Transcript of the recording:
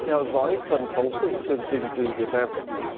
theo dõi phần phóng sự tường trình từ việt nam